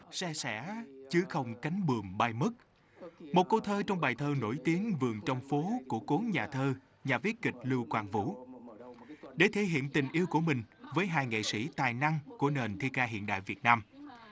se sẽ chứ không cánh buồm bay mất một câu thơ trong bài thơ nổi tiếng vườn trong phố của cố nhà thơ nhà viết kịch lưu quang vũ để thể hiện tình yêu của mình với hai nghệ sĩ tài năng của nền thi ca hiện đại việt nam